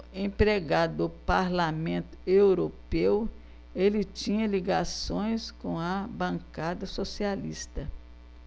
empregado do parlamento europeu ele tinha ligações com a bancada socialista